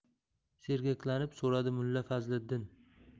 sergaklanib so'radi mulla fazliddin